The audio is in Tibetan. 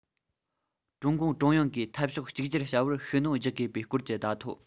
ཀྲུང གུང ཀྲུང དབྱང གིས འཐབ ཕྱོགས གཅིག གྱུར བྱ བར ཤུགས སྣོན རྒྱག དགོས པའི སྐོར གྱི བརྡ ཐོ